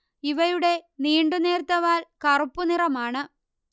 ഇവയുടെ നീണ്ടു നേർത്ത വാൽ കറുപ്പു നിറമാണ്